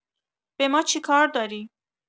به ما چیکار داری